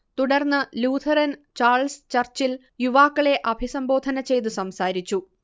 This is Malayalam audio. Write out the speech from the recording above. തുടർന്ന് ലൂഥറൻ ചാൾസ് ചർച്ചിൽ യുവാക്കളെ അഭിസംബോധന ചെയ്തു സംസാരിച്ചു